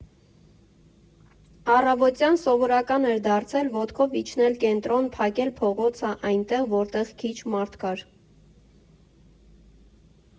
Առավոտյան սովորական էր դարձել ոտքով իջնել կենտրոն, փակել փողոցը այնտեղ, որտեղ քիչ մարդ կար։